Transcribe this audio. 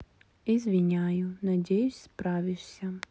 извиняю надеюсь справишься